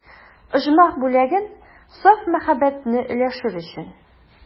Оҗмах бүләген, саф мәхәббәтне өләшер өчен.